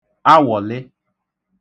awọ̀lị